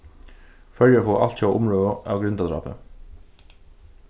føroyar fáa altjóða umrøðu av grindadrápi